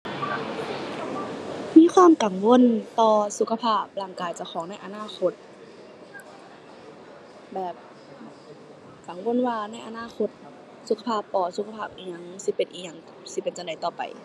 มีความกังวลต่อสุขภาพร่างกายเจ้าของในอนาคต แบบกังวลว่าในอนาคตสุขภาพปอด สุขภาพอิหยังสิเป็นอิหยัง สิเป็นจั่งใดต่อไป